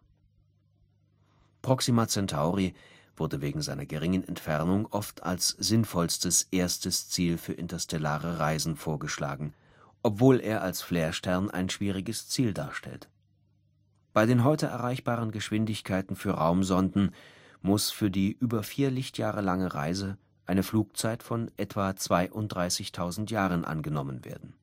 Proxima Centauri wurde wegen seiner geringen Entfernung oft als sinnvollstes erstes Ziel für interstellare Reisen vorgeschlagen, obwohl er als Flarestern ein schwieriges Ziel darstellt. Bei den heute erreichbaren Geschwindigkeiten für Raumsonden muss für die über 4 Lj lange Reise eine Flugzeit von etwa 32.000 Jahren angenommen werden